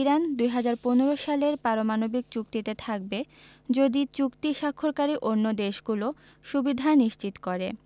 Iran ২০১৫ সালের পারমাণবিক চুক্তিতে থাকবে যদি চুক্তি স্বাক্ষরকারী অন্য দেশগুলো সুবিধা নিশ্চিত করে